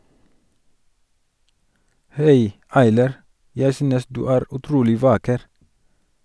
Hei Aylar, jeg synes du er utrolig vakker!